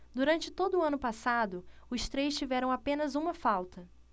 durante todo o ano passado os três tiveram apenas uma falta